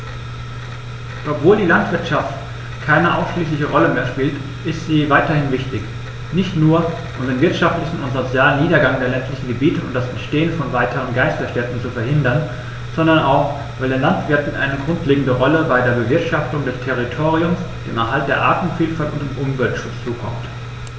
Doch obwohl die Landwirtschaft keine ausschließliche Rolle mehr spielt, ist sie weiterhin wichtig, nicht nur, um den wirtschaftlichen und sozialen Niedergang der ländlichen Gebiete und das Entstehen von weiteren Geisterstädten zu verhindern, sondern auch, weil den Landwirten eine grundlegende Rolle bei der Bewirtschaftung des Territoriums, dem Erhalt der Artenvielfalt und dem Umweltschutz zukommt.